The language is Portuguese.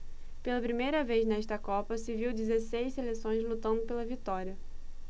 pela primeira vez nesta copa se viu dezesseis seleções lutando pela vitória